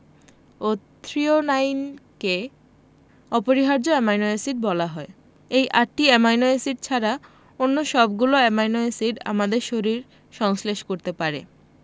ও থ্রিওনাইনকে অপরিহার্য amino acid বলা হয় এই আটটি অ্যামাইনো এসিড ছাড়া অন্য সবগুলো অ্যামাইনো এসিড আমাদের শরীর সংশ্লেষ করতে পারে